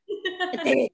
Yndi!